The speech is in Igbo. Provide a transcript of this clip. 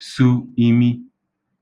sū īmī